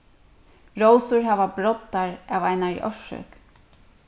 rósur hava broddar av einari orsøk